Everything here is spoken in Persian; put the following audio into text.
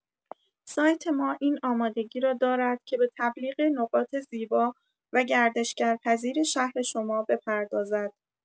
سایت ما این آمادگی را دارد که به تبلیغ نقاط زیبا و گردشگرپذیر شهر شما بپردازد.